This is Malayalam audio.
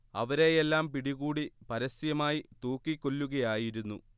അവരെയെല്ലാം പിടികൂടി പരസ്യമായി തൂക്കിക്കൊല്ലുകയായിരുന്നു